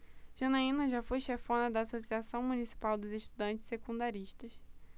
janaina foi chefona da ames associação municipal dos estudantes secundaristas